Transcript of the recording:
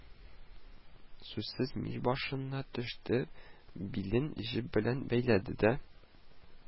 Сүзсез мич башыннан төште, билен җеп белән бәйләде дә: